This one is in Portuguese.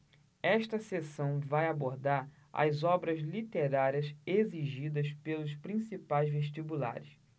esta seção vai abordar as obras literárias exigidas pelos principais vestibulares